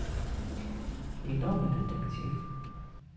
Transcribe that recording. медовый детектив